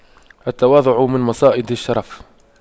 التواضع من مصائد الشرف